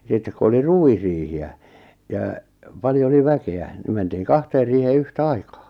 sitten kun oli ruisriihiä ja paljon oli väkeä niin mentiin kahteen riiheen yhtä aikaa